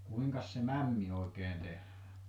kuinkas se mämmi oikein tehdään